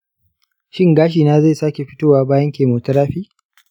shin gashina zai sake fitowa bayan chemotherapy?